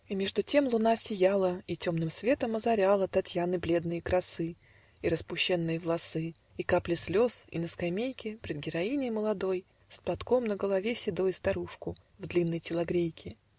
И между тем луна сияла И томным светом озаряла Татьяны бледные красы, И распущенные власы, И капли слез, и на скамейке Пред героиней молодой, С платком на голове седой, Старушку в длинной телогрейке